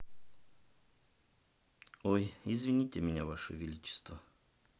ой извините меня ваше величество